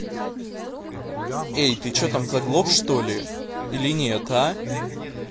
эй ты че там заглох что ли или нет а